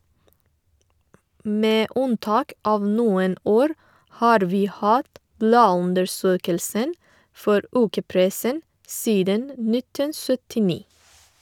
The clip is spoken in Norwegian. Med unntak av noen år har vi hatt bladundersøkelsen for ukepressen siden 1979.